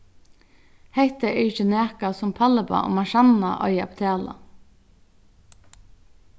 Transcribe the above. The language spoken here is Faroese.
hatta er ikki nakað sum palleba og marsanna eiga at betala